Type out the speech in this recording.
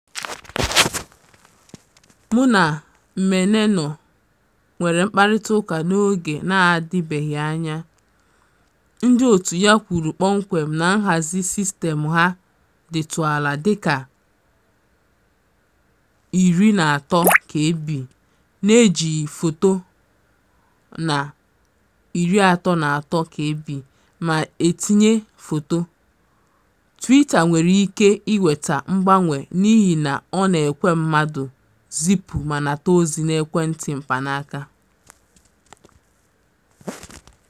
Mụ na Maneno nwere mkparịtaụka n'oge na-adịbeghị anya, ndị òtù ya kwuru kpọmkwem na nhazị sistemụ ha dịtụ ala dịka 13kb n'ejighị foto na 33kb ma etinye foto... Twitter nwere ike iweta mgbanwe n'ihi na ọ na-ekwe mmadụ zịpụ ma nata ozi n'ekwentị mkpanaaka.